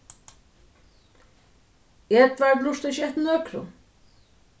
edvard lurtar ikki eftir nøkrum